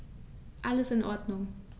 Alles in Ordnung.